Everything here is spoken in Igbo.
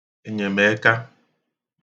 enyemẹ̀ẹka